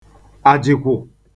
Àjị̀kwụ̀